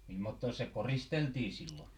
mimmottoos se koristeltiin silloin